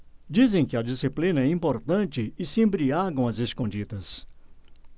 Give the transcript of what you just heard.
dizem que a disciplina é importante e se embriagam às escondidas